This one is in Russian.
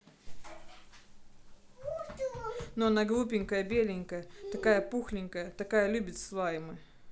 ну она глупенькая беленькая такая пухленькая такая любит слаймы